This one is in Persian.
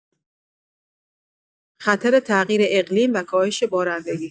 خطر تغییر اقلیم و کاهش بارندگی